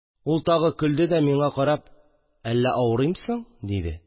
Ул тагы көлде дә, миңа карап: «Әллә авырыймсың?» – диде